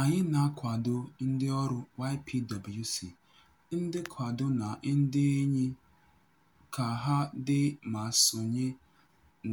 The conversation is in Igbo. Anyị na-akwado ndịọrụ YPWC, ndị nkwado na ndị enyi ka ha dee ma sonye